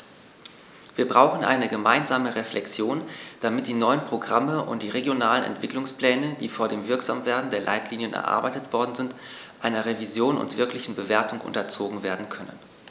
Wir brauchen eine gemeinsame Reflexion, damit die neuen Programme und die regionalen Entwicklungspläne, die vor dem Wirksamwerden der Leitlinien erarbeitet worden sind, einer Revision und wirklichen Bewertung unterzogen werden können.